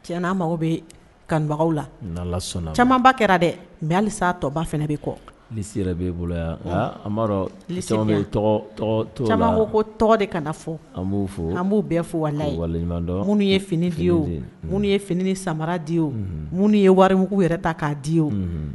Ti'a mago bɛ kanubagaw la camanba kɛra dɛ mɛ hali tɔba fana bɛ kɔ bolo caman ko tɔgɔ de kana na fɔ b fɔ an b'o bɛɛ fou ye fini di minnu ye fini samara di o minnu ye warimugu yɛrɛ ta k'a di o